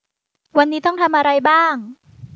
วันนี้ต้องทำอะไรบ้าง